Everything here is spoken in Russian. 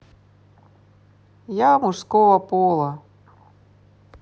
я мужского пола